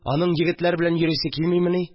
Аның егетләр белән йөрисе килмимени?